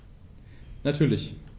Natürlich.